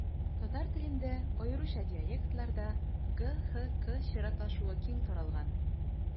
Татар телендә, аеруча диалектларда, г-х-к чиратлашуы киң таралган.